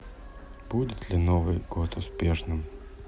будет ли новый год успешным